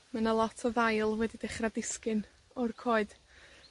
Mae 'na lot o ddail wedi dechra disgyn o'r coed.